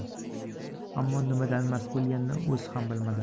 ammo nimadanmast bo'lganini o'zi ham bilmadi